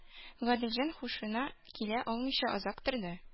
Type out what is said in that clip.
Гаделҗан һушына килә алмыйча озак торды